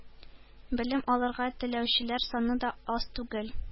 Белем алырга теләүчеләр саны да аз түгел.